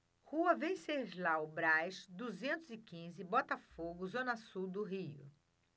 rua venceslau braz duzentos e quinze botafogo zona sul do rio